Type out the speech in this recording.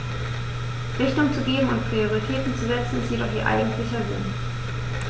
Richtung zu geben und Prioritäten zu setzen, ist jedoch ihr eigentlicher Sinn.